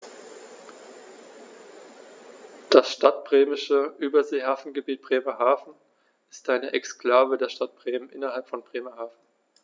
Das Stadtbremische Überseehafengebiet Bremerhaven ist eine Exklave der Stadt Bremen innerhalb von Bremerhaven.